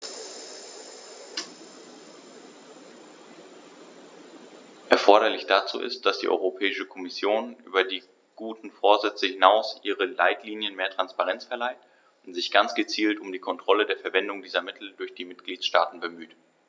Erforderlich dazu ist, dass die Europäische Kommission über die guten Vorsätze hinaus ihren Leitlinien mehr Transparenz verleiht und sich ganz gezielt um die Kontrolle der Verwendung dieser Mittel durch die Mitgliedstaaten bemüht.